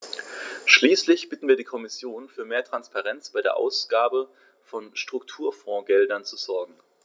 Schließlich bitten wir die Kommission, für mehr Transparenz bei der Ausgabe von Strukturfondsgeldern zu sorgen.